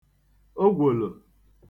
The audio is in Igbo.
ogwòlò